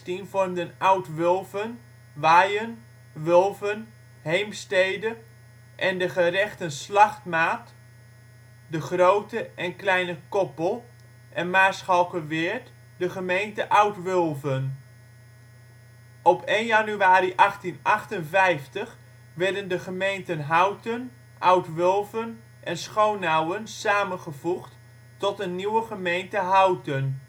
In 1816 vormden Oud-Wulven, Waijen, Wulven, Heemstede en de gerechten Slachtmaat, de Grote en Kleine Koppel en Maarschalkerweerd de gemeente Oud-Wulven. Op 1 januari 1858 werden de gemeenten Houten, Oud-Wulven en Schonauwen samengevoegd tot een nieuwe gemeente Houten